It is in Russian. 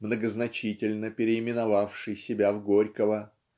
многозначительно переименовавший себя в Горького